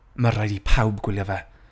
ma' raid i pawb gwylio fe.